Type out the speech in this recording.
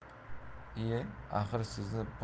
ie axir sizni podshoning